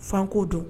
Fanko don